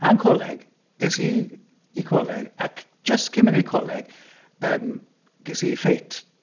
A'n coleg... es i i'r coleg... ac jyst cyn mynd i coleg, ges i fight.